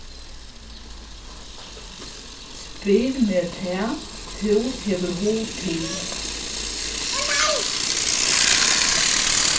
spyr meg tað tú hevur hug til